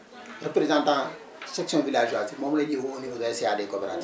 représentant section villageoise yi moom la ñuy woo au niveau des CA des coopératives